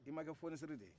a tigi ma kɛ fonisire de ye